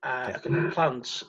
a ac o'n n'w plant